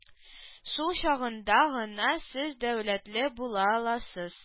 Шул чагында гына сез дәүләтле булаласыз